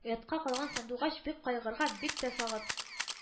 Оятка калган сандугач бик кайгырган, бик тә сагын